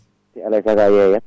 te alay saago a yeyan